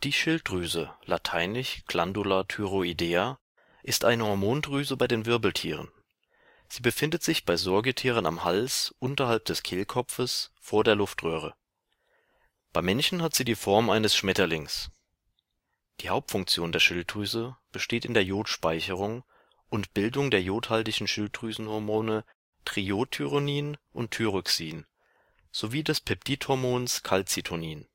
Schilddrüse lateinisch Glan-du-la thyro-idea) ist eine Hormondrüse bei den Wirbeltieren. Sie befindet sich bei Säugetieren am Hals unterhalb des Kehlkopfes vor der Luftröhre. Beim Menschen hat sie die Form eines Schmetterlings. Die Hauptfunktion der Schilddrüse besteht in der Iodspeicherung und Bildung der iodhaltigen Schilddrüsenhormone [Tri-iod-thyronin und Thyroxin sowie des Peptidhormons Calci-tonin